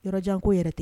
Yɔrɔjan ko yɛrɛ tɛ.